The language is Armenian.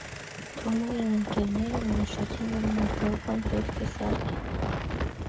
Թումոյի իմ ընկերները որոշեցին, որ մեր լոգոն պետք է սարքեն։